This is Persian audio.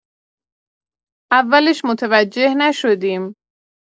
اولش متوجه نشدیم.